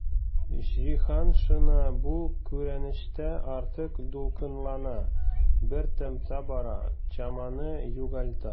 Җиһаншина бу күренештә артык дулкынлана, бер темпта бара, чаманы югалта.